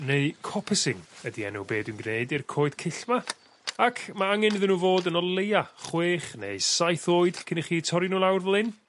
neu coppicing ydi enw be' dwi'n gneud i'r coed cyll 'ma ac ma' angen iddyn n'w fod yn o leia chwech neu saith oed cyn i chi torri n'w lawr fel 'yn